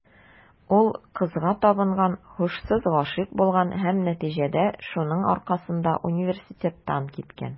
Ул кызга табынган, һушсыз гашыйк булган һәм, нәтиҗәдә, шуның аркасында университеттан киткән.